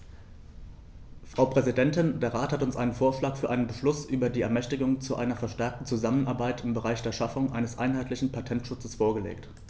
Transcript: Frau Präsidentin, der Rat hat uns einen Vorschlag für einen Beschluss über die Ermächtigung zu einer verstärkten Zusammenarbeit im Bereich der Schaffung eines einheitlichen Patentschutzes vorgelegt.